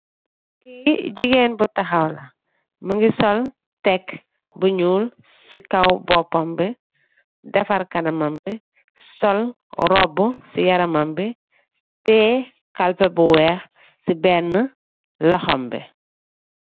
Gigeen bu taxaw la mugii sol tek bu ñuul ci kaw bópam bi defarr kanamam bi sol róbbu ci yaramam bi teyeh kalpèh bu wèèx ci benna loxom bi.